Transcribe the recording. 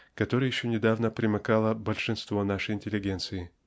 к которой еще недавно примыкало большинство нашей интеллигенции.